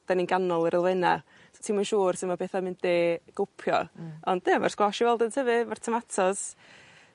'da ni'n ganol yr elfenna' t- ti'm yn siŵr su' ma' petha'n mynd i gopio. Hmm. Ond ie ma'r squash i weld yn tyfu efo'r tomatos